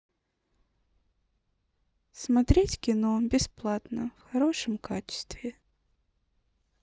смотреть кино бесплатно в хорошем качестве